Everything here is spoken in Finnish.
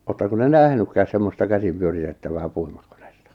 oletteko te nähnytkään semmoista käsin pyöritettävää puimurikonetta